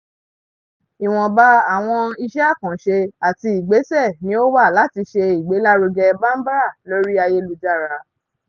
Ìwọ̀nba àwọn iṣẹ́ àkànṣe àti ìgbésẹ̀ ni ó wà láti ṣe ìgbélárugẹ Bambara lórí ayélujára.